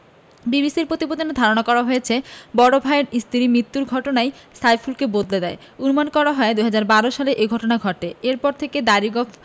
বিবিসির প্রতিবেদনে ধারণা করা হয়েছে বড় ভাইয়ের স্ত্রীর মৃত্যুর ঘটনাই সাইফুলকে বদলে দেয় অনুমান করা হয় ২০১২ সালে এ ঘটনা ঘটে এরপর থেকে দাড়ি গোঁফ